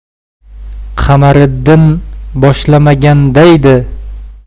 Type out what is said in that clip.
qamariddin boshlamagandaydi